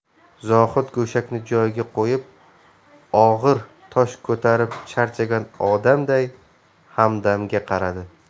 zohid go'shakni joyiga qo'yib og'ir tosh ko'tarib charchagan odamday hamdamga qaradi